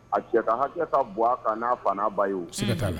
A cɛ ka hakili ka bɔ a kan n'a fa n' ba ye